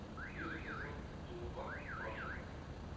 Йөз утыз ел тулуга багышланган.